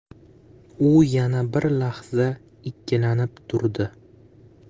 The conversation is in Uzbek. u yana bir lahza ikkilanib turdi